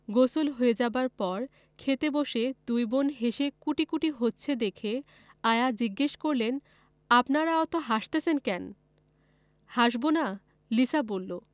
গোসল হয়ে যাবার পর খেতে বসে দুই বোন হেসে কুটিকুটি হচ্ছে দেখে আয়া জিজ্ঞেস করলেন আপনেরা অত হাসতাসেন ক্যান হাসবোনা লিসা বললো